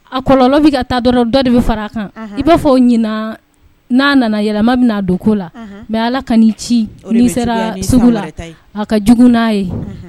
A kɔlɔlɔ bɛ ka taa dɔɔn dɔnɔni dɔ de bɛ far'a kan i b'a fɔ ɲina, nana, yɛlɛma bɛna don ko la mɛ mais Allah ka n'i ci,o de bɛ jugua ni san wɛrɛ ta ye. n'i sera sugu la , a ka jugu n'a ye